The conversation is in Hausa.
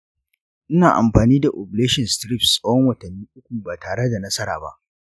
ina amfani da ovulation strips tsawon watanni uku ba tare da nasara ba.